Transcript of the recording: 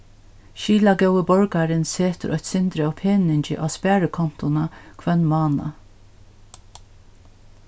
skilagóði borgarin setir eitt sindur av peningi á sparikontuna hvønn mánað